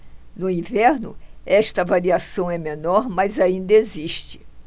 no inverno esta variação é menor mas ainda existe